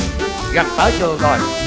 gần tới trường rồi